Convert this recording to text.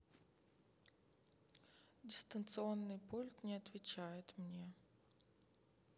дистанционный пульт не отвечает мне